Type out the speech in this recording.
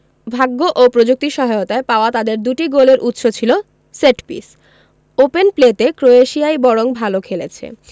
ভাগ্য ও প্রযুক্তির সহায়তায় পাওয়া তাদের দুটি গোলের উৎস ছিল সেটপিস ওপেন প্লেতে ক্রোয়েশিয়াই বরং ভালো খেলেছে